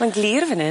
Mae'n glir fyn 'yn.